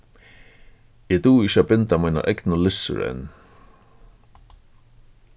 eg dugi ikki at binda mínar egnu lissur enn